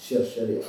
Sirasi ye